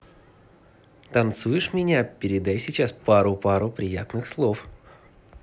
танцуешь меня передай сейчас пару пару приятных слов